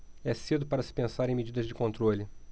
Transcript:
é cedo para se pensar em medidas de controle